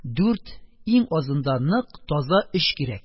Дүрт, иң азында, нык, таза өч кирәк.